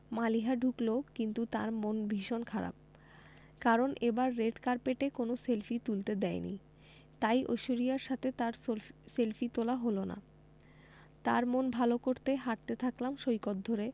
মালিহা ঢুকলো কিন্তু তার মন ভীষণ খারাপ কারণ এবার রেড কার্পেটে কোনো সেলফি তুলতে দেয়নি তাই ঐশ্বরিয়ার সাথে তার সলফি সেলফি তোলা হলো না তার মন ভালো করতে হাঁটতে থাকলাম সৈকত ধরে